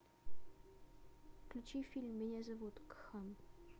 включи фильм меня зовут кхан